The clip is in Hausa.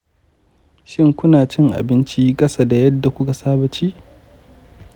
shin ku na cin abinci ƙasa da yadda ku ku saba ci?